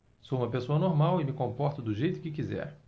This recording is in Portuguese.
sou homossexual e me comporto do jeito que quiser